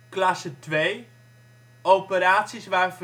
Klasse 2; Operaties waar